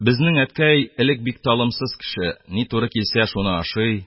Безнең әткәй бик талымсыз кеше: ни туры килсә, шуны ашый